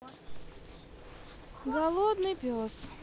голодный пес